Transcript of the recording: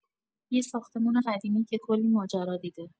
یه ساختمون قدیمی که کلی ماجرا دیده